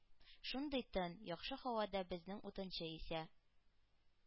Шундый тын, яхшы һавада безнең утынчы исә,